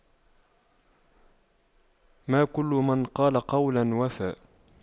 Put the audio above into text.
ما كل من قال قولا وفى